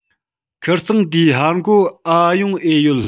ཁིར ཚང འདིའི ཧར འགོ འ ཡོང ཨེ ཡོད